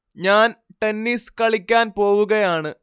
ഞാൻ ടെന്നിസ് കളിക്കാൻ പോവുകയാണ്